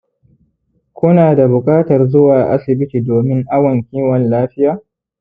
ku na da buƙatar zuwa asibiti domin awon kiwon-lafiya